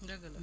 dëgg la